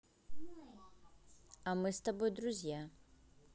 а мы с тобой друзья